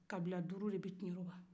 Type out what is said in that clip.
kabila duru de bɛ kiɲɛrɔba